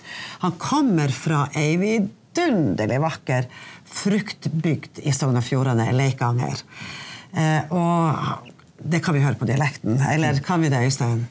han kommer fra ei vidundelig vakker fruktbygd i Sogn og Fjordane Leikanger og det kan vi høre på dialekten, eller kan vi det Øystein?